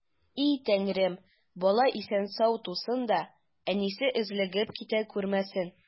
И Тәңрем, бала исән-сау тусын да, әнисе өзлегеп китә күрмәсен!